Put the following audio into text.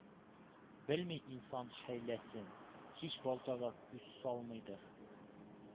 Белми инсан хәйләсен — һич балтага күз салмыйдыр.